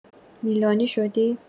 میلانی شدی؟